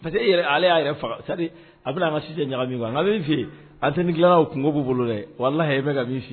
A ale y'a yɛrɛ faga sari a bɛna a ma sise ɲaga min min fɛ yen a tɛ ni kungo' bolo dɛ wara hakɛ bɛ ka min fɛ yen